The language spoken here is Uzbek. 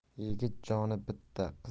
yigit joni bitta